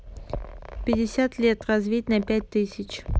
пятьдесят лет развить на пять тысяч